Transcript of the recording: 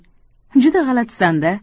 juda g'alatisan da